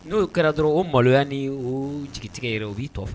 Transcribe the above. N'o kɛra dɔrɔn o maloya ni o jigitigɛ yɛrɛ u b'i tɔ fɛ